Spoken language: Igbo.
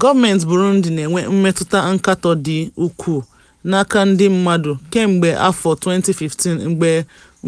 Gọọmentị Burundi na-enwe mmetụta nkatọ dị ukwuu n'aka ndị mmadụ kemgbe afọ 2015, mgbe